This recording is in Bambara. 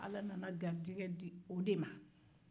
ala nana garijɛgɛ di o de man